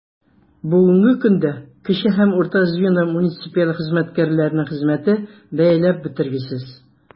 Бүгенге көндә кече һәм урта звено муниципаль хезмәткәрләренең хезмәте бәяләп бетергесез.